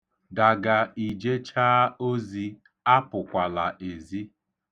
Daga i jechaa ozi, apụkwala ezi.